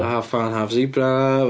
Half man, half zebra.